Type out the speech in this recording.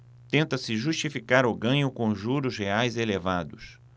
tenta-se justificar o ganho com os juros reais elevados